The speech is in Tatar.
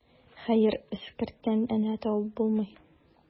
Хәер, эскерттән энә табып буламыни.